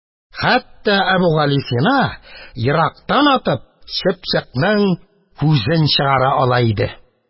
Хәтта Әбүгалисина, ерактан атып, чыпчыкның күзен чыгара ала иде.